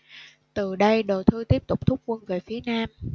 từ đây đồ thư tiếp tục thúc quân về phía nam